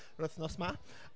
yr wythnos 'ma.